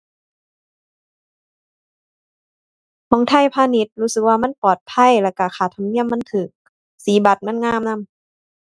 ของไทยพาณิชย์ รู้สึกว่ามันปลอดภัยแล้วก็ค่าธรรมเนียมมันก็ สีบัตรมันงามนำ